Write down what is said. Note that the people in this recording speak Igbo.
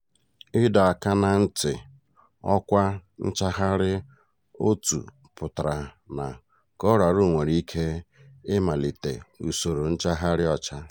Ịdọ Aka Ná Ntị Ọkwa nchaghari Otu pụtara na Koraalụ nwere ike ịmalite usoro nchagharị ọcha.